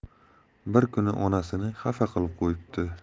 bir kuni onasini xafa qilib qo'yibdi